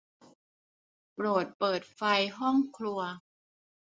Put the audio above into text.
โปรดเปิดไฟห้องครัว